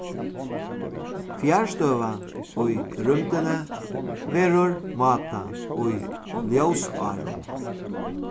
fjarstøða í rúmdini verður mátað í ljósárum